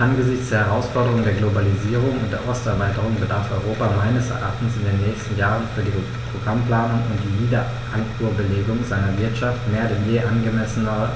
Angesichts der Herausforderung der Globalisierung und der Osterweiterung bedarf Europa meines Erachtens in den nächsten Jahren für die Programmplanung und die Wiederankurbelung seiner Wirtschaft mehr denn je angemessener